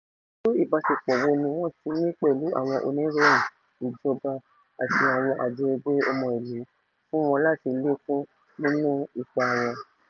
Irú ìbáṣepọ̀ wo ni wọ́n ti ní pẹ̀lú àwọn oníròyìn, ìjọba, àti àwọn àjọ ẹgbẹ́ ọmọ ìlú fún wọn láti lékún nínú ipa wọn?